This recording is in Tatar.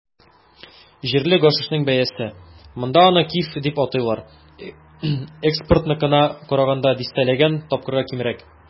Җирле гашишның бәясе - монда аны "киф" дип атыйлар - экспортныкына караганда дистәләгән тапкырга кимрәк.